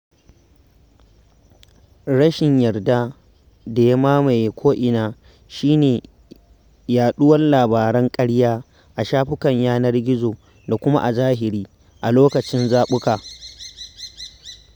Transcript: Rashin yarda da ya mamaye ko'ina shi ne yaɗuwar labaran ƙarya - a shafukan yanar gizo da kuma a zahiri - a lokacin zaɓukan.